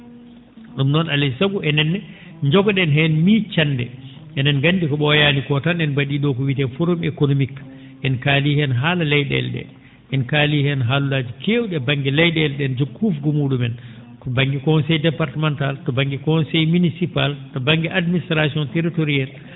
?um noon alaa e sago enenne njogo?en heen miijcannde enen nganndi ko ?ooyaani koo tan en mba?ii ?oo ko wiyetee premier économique en kaalii heen haala ley?eele ?ee en kaali heen haalullaaji keew?i e ba?nge ley?eele ?ee e njogo kufgu mu?umen to ba?nge conseil départemental to ba?nge conseil municipal to ba?nge administration territorial